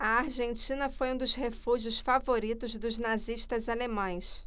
a argentina foi um dos refúgios favoritos dos nazistas alemães